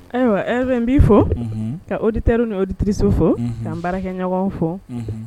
Ayiwa Erve n b'i fo unhun ka auditeur u ni -- auditrice u fo unhun ka n baarakɛɲɔgɔnw fo unhun